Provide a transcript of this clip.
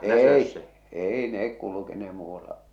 ei ei ne kulkeneet muualla